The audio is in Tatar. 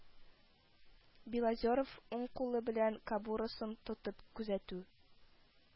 Белозеров, уң кулы белән кобурасын тотып, күзәтү